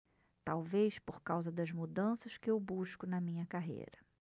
talvez por causa das mudanças que eu busco na minha carreira